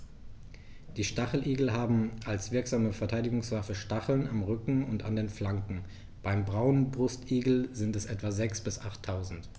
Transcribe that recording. Die Stacheligel haben als wirksame Verteidigungswaffe Stacheln am Rücken und an den Flanken (beim Braunbrustigel sind es etwa sechs- bis achttausend).